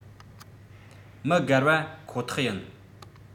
མི བརྒལ བ ཁོ ཐག ཡིན